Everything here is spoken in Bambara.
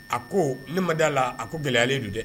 A ko ne ma d'a la ,a ko gɛlɛyalen don dɛ!